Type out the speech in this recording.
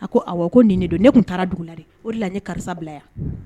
A ko ko nin don ne tun taara dugu la de o de la ye karisa bila yan